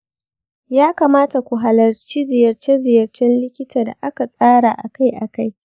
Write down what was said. ya kamata ku halarci ziyarce-ziyarcen likita da aka tsara akai-akai